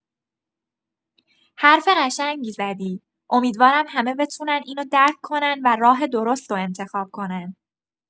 حرف قشنگی زدی، امیدوارم همه بتونن اینو درک کنن و راه درستو انتخاب کنن.